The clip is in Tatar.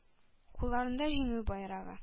Кулларында җиңү байрагы.